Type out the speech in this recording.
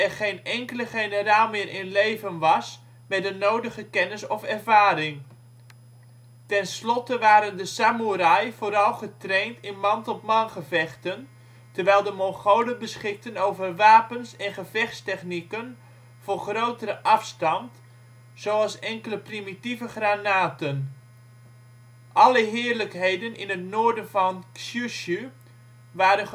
geen enkele generaal meer in leven was met de nodige kennis of ervaring. Tenslotte waren de samoerai vooral getraind in man tot man gevechten, terwijl de Mongolen beschikten over wapens en gevechtstechnieken voor grotere afstand zoals enkele primitieve granaten. Alle heerlijkheden in het noorden van Kyushu waren gemobiliseerd